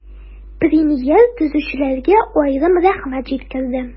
Премьер төзүчеләргә аерым рәхмәт җиткерде.